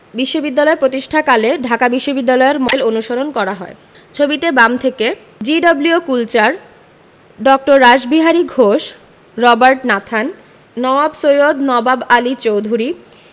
বিশ্ববিদ্যালয় প্রতিষ্ঠাকালে ঢাকা বিশ্ববিদ্যালয়ের মডেল অনুসরণ করা হয় ছবিতে বাম থেকে বসা জি.ডব্লিউ. কুলচার ড. Rashbehari Ghosh Robert Nathan Nawab Syed Nawab Ali Chowdhury